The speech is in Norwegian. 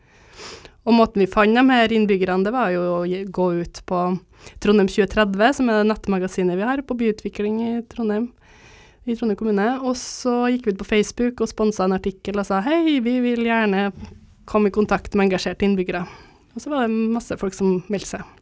og måten vi fant dem her innbyggerne det var jo å gi gå ut på Trondheim 2030 som er det nettmagasinet vi har på byutvikling i Trondheim i Trondheim kommune og så gikk vi ut på Facebook og sponsa en artikkel og sa hei vi vil gjerne komme i kontakt med engasjerte innbyggere og så var det masse folk som meldte seg.